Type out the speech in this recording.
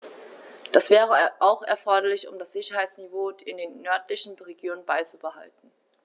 Das wäre auch erforderlich, um das Sicherheitsniveau in den nördlichen Regionen beizubehalten.